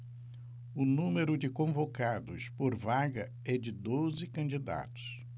o número de convocados por vaga é de doze candidatos